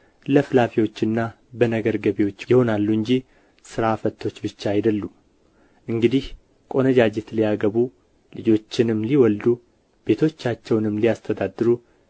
ለፍላፊዎችና በነገር ገቢዎች ይሆናሉ እንጂ ሥራ ፈቶች ብቻ አይደሉም እንግዲህ ቆነጃጅት ሊያገቡ ልጆችንም ሊወልዱ ቤቶቻቸውንም ሊያስተዳድሩ